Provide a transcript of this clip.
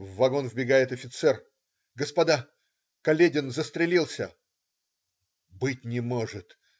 В вагон вбегает офицер: "господа, Каледин застрелился!"- Быть не может?!